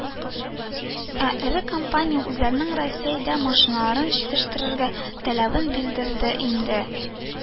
Эре компания үзләренең россиядә машиналар җитештерергә теләвен белдерде инде